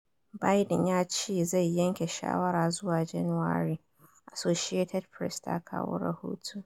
Biden ya ce zai yanke shawara zuwa January, Associated Press ta kawo rahoto.